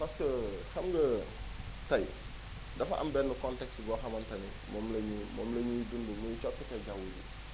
parce que xam nga tey dafa am benn contexte boo xamante ni moom la ñu moom la ñu dund muy coppite jawwu ji